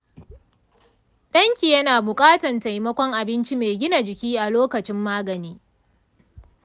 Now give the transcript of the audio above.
ɗanki yana buƙatan taimakon abinci mai gina jiki a lokacin magani.